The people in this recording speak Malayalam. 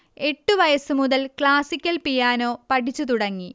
എട്ട് വയസ് മുതൽ ക്ലാസിക്കൽ പിയാനോ പഠിച്ച് തുടങ്ങി